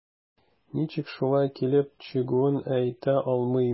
Ничек шулай килеп чыгуын әйтә алмыйм.